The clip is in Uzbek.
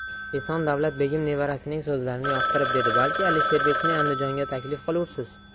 eson davlat begim nevarasining so'zlarini yoqtirib dedi balki alisherbekni andijonga taklif qilursiz